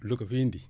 lu ko fi indi